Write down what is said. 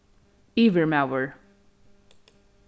yvirmaður